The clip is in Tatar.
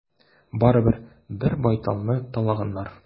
Барыбер, бер байталны талаганнар.